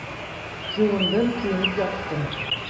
Юындым, киенеп яттым.